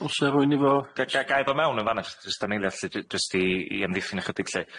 O's 'na r'wun efo... Ga i- ga- ga i ddod mewn yn fan'na jys' jyst am eiliad lly, jy- jyst i i amddiffyn ychydig lly?